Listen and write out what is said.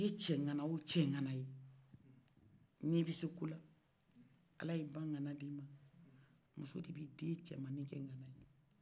i ye cɛ nganaw cɛ ngana ye ni be se kola ala ala ye ba ngana d'ima muso de bɛ den kɛ ngana ye